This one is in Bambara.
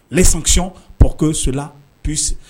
Sancyɔn psola peuse